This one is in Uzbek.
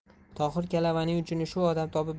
tohir kalavaning uchini shu odam topib